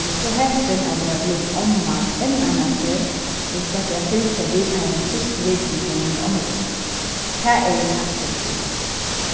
eg eri so heppin at vera blivin omma enn einaferð og sleppi at fylgja við teimum fyrstu vikunum hjá míni ommudóttur tað eri eg takksom fyri